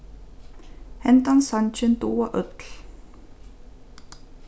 hendan sangin duga øll